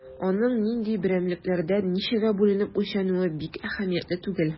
Аның нинди берәмлекләрдә, ничәгә бүленеп үлчәнүе бик әһәмиятле түгел.